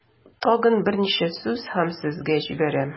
Тагын берничә сүз һәм сезне җибәрәм.